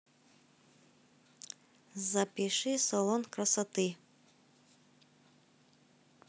запиши в салон красоты